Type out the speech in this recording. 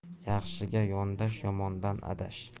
yaxshiga yondash yomondan adash